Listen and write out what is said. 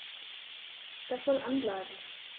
Das soll an bleiben.